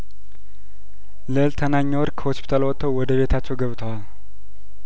ልእልት ተናኘ ወርቅ ከሆስፒታል ወጥተው ወደ ቤታቸው ገብተዋል